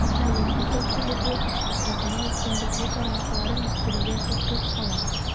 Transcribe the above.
Район җитәкчелеге икътисадның өстенлекле тармакларын үстерүгә күп көч сала.